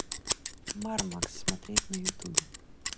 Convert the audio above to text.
мармакс смотреть на ютубе